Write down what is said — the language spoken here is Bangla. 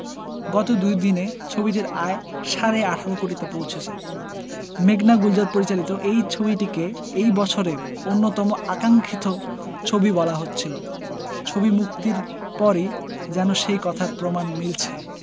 গত দুই দিনে ছবিটির আয় সাড়ে ১৮ কোটিতে পৌঁছেছে মেঘনা গুলজার পরিচালিত এই ছবিটিকে এই বছরের অন্যতম আকাঙ্খিত ছবি বলা হচ্ছিল ছবি মুক্তির পরই যেন সেই কথার প্রমাণ মিলছে